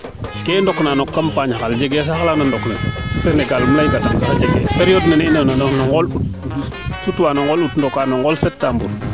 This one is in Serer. ke i ndokna no campagne xaye jege no saax la de ndok na Sengal im leynga ley periode nene i nana nan no ngool sutwa no ngool ndoka no ngool septembre